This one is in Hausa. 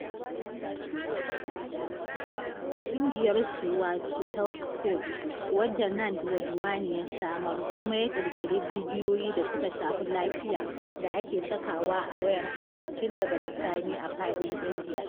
Ƙungiyarsu wato HealthPhone, wadda Nand Wadhwani ya samar kuma ya ƙirƙiri bidiyoyi da suka shafi lafiya da ake sakawa a wayar hannu tun daga bisani a faɗin India.